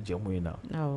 Jamumu in na